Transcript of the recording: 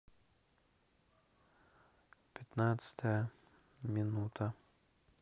пятнадцатая минута